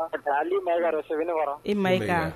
Ali mayiga don Sebeninkɔrɔ, i Mayiga